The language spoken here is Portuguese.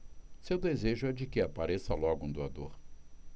seu desejo é de que apareça logo um doador